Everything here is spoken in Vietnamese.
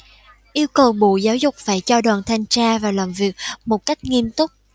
yêu cầu bộ giáo dục phải cho đoàn thanh tra vào làm việc một cách nghiêm túc